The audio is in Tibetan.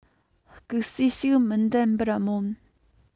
སྐུ སྲས ཞིག མི འདེམ པར སྨོན